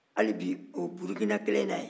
ali bi o burukina kelen in na yen